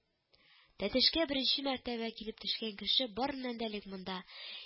Тәтешкә беренче мәртәбә килеп төшкән кеше барыннан да элек монда